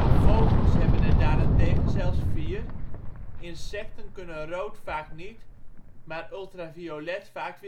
vogels hebben er daarentegen zelfs vier. Insecten kunnen rood vaak niet, maar ultraviolet vaak